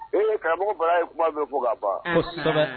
I ye karamɔgɔ bara ye kuma bɛ fo ka ban kosɛbɛ